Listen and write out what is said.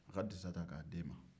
a ka disa ta k'a di e man